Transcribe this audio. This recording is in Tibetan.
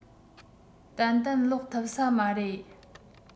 ཏན ཏན ལོག ཐུབ ས མ རེད